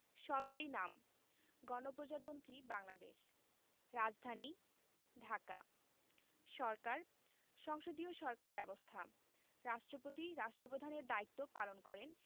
সরকারি নামঃ গণপ্রজাতন্ত্রী বাংলাদেশ রাজধানীঃ ঢাকা সরকারঃ সংসদীয় সরকার ব্যবস্থা রাষ্ট্রপতি রাষ্ট্রপ্রধানের দায়িত্ব পালন করেন